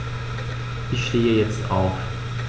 Ich stehe jetzt auf.